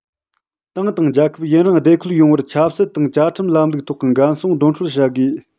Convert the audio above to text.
ཏང དང རྒྱལ ཁབ ཡུན རིང བདེ འཁོད ཡོང བར ཆབ སྲིད དང བཅའ ཁྲིམས ལམ ལུགས ཐོག གི འགན སྲུང འདོན སྤྲོད བྱ དགོས